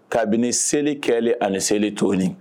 Kabini seli kɛ ani seli to